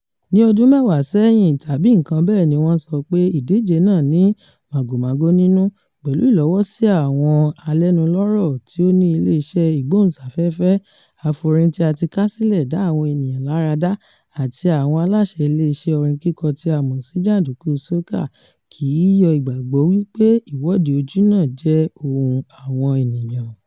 Ní ọdún mẹ́wàá sẹ́yìn tàbí nnkan bẹ́ẹ̀ ni wọ́n sọ pé ìdíje náà ní màgòmágó nínú — pẹ̀lu ìlọ́wọ́sí àwọn alẹ́nulọ́rọ̀ tí ó ni ilé iṣẹ́ ìgbóhùnsáfẹ́fẹ́, afiorin-tí-a-ti-ká-sílẹ̀ dá àwọn ènìyàn lára dá àti àwọn aláṣẹ ilé iṣẹ́ orin kíkọ tí a mọ̀ sí “jàndùkú soca” — kò ì yọ́ ìgbàgbọ́ wípé Ìwọ́de Ojúnà jẹ́ ohun àwọn ènìyàn.